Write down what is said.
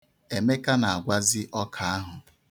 Emeka na-agwazi ọka ahụ.